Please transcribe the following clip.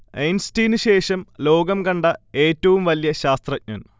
ഐൻസ്റ്റീന് ശേഷം ലോകം കണ്ട ഏറ്റവും വലിയ ശാസ്ത്രജ്ഞൻ